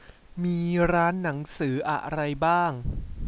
มีร้านหนังสืออะไรบ้าง